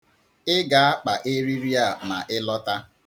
Ị ga-akpa eriri a ma ị lọta.